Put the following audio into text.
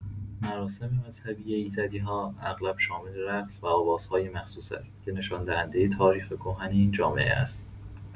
مراسم مذهبی ایزدی‌ها اغلب شامل رقص و آوازهای مخصوص است که نشان‌دهنده تاریخ کهن این جامعه است.